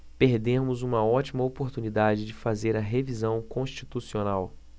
perdemos uma ótima oportunidade de fazer a revisão constitucional